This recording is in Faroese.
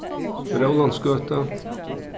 rólantsgøta